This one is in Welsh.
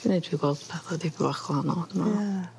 'Di neud fi gweld petha 'dig bach gwahanol dwi me'wl. Ie.